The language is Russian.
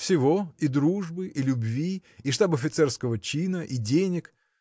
– Всего: и дружбы, и любви, и штаб-офицерского чина, и денег.